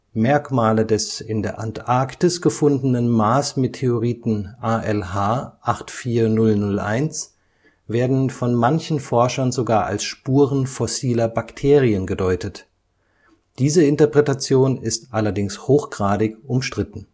Merkmale des in der Antarktis gefundenen Mars-Meteoriten ALH 84001 werden von manchen Forschern sogar als Spuren fossiler Bakterien gedeutet. Diese Interpretation ist allerdings hochgradig umstritten